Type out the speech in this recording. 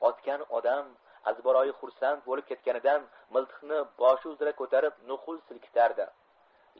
otgan odam azbaroyi xursand bo'lib ketganidan miltiqni boshi uzra ko'tarib nuqul silkitardi